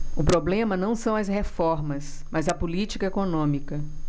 o problema não são as reformas mas a política econômica